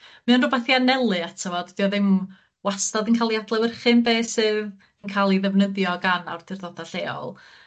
mae o'n rwbath i anelu eto fo dydi o ddim wastad yn ca'l 'i adlewyrchu yn be' sydd yn ca'l 'i ddefnyddio gan awdurdoda' lleol